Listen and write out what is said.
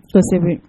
Kosɛbɛ!